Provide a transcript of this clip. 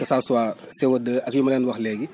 que ça soit CO2 ak yi ma leen wax léegi